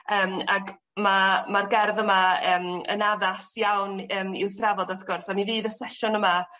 Yym ag ma' ma'r gerdd yma yym yn addas iawn yym i'w thrafod wrth gwrs a mi fydd y sesiwn yma